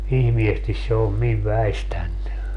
ihmeesti se on minun väistänyt